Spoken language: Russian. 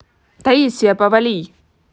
таисия повалий